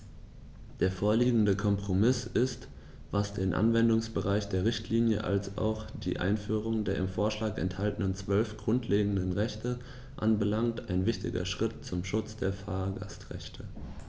Der vorliegende Kompromiss ist, was den Anwendungsbereich der Richtlinie als auch die Einführung der im Vorschlag enthaltenen 12 grundlegenden Rechte anbelangt, ein wichtiger Schritt zum Schutz der Fahrgastrechte.